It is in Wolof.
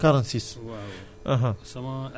46 46